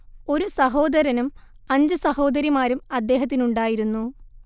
ഒരു സഹോദരനും അഞ്ചു സഹോദരിമാരും അദ്ദേഹത്തിനുണ്ടായിരുന്നു